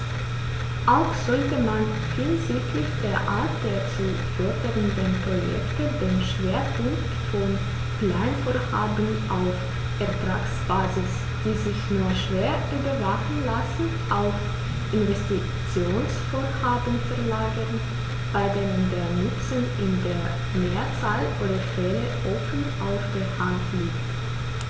Auch sollte man hinsichtlich der Art der zu fördernden Projekte den Schwerpunkt von Kleinvorhaben auf Ertragsbasis, die sich nur schwer überwachen lassen, auf Investitionsvorhaben verlagern, bei denen der Nutzen in der Mehrzahl der Fälle offen auf der Hand liegt.